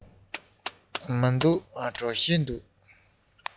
མི འདུག གྲོ ཞིབ འདུག